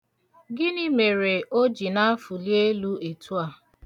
Gịnị mere o ji na-afuli elu etu a?